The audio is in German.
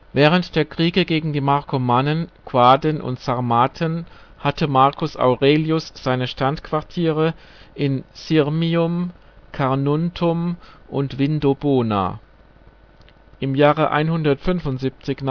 Während der Kriege gegen die Markomannen, Quaden und Sarmaten hatte Marcus Aurelius seine Standquartiere in Sirmium, Carnuntum und Vindobona. Im Jahre 175